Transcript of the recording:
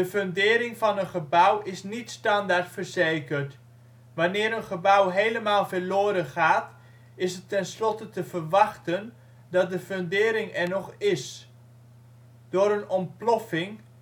fundering van een gebouw is niet standaard verzekerd. Wanneer een gebouw helemaal verloren gaat is het tenslotte te verwachten dat de fundering er nog is. Door een ontploffing